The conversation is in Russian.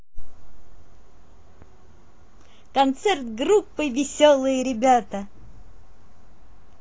концерт группы веселые ребята